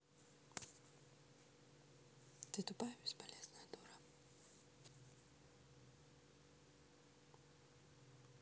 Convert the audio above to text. ты тупая бесполезная дура